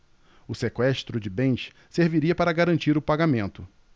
o sequestro de bens serviria para garantir o pagamento